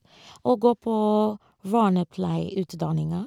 Og går på vernepleierutdanninga.